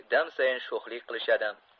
dam sayin sho'xlik qilishadi